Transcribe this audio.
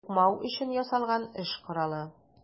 Тукмау өчен ясалган эш коралы.